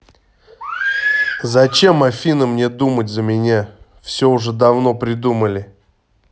зачем афина мне думать за меня уже все давно придумали